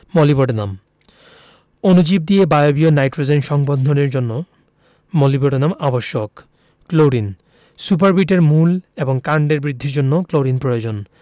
molybdenum অণুজীব দিয়ে বায়বীয় নাইট্রোজেন সংবন্ধনের জন্য মোলিবডেনাম আবশ্যক ক্লোরিন সুপারবিট এর মূল এবং কাণ্ডের বৃদ্ধির জন্য ক্লোরিন প্রয়োজন